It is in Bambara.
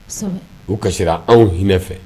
U kasira anw hinɛ fɛ